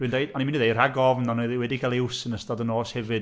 Dwi'n deud… o'n i'n mynd i ddeud rhag ofn, ond oedd hi wedi cael ei iws yn ystod yn nos hefyd.